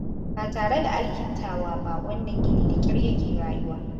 Ba tare da alkintawa ba, wannan gini da ƙyar yake rayuwa.